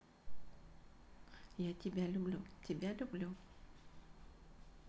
я тебя люблю тебя люблю